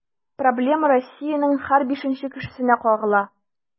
Проблема Россиянең һәр бишенче кешесенә кагыла.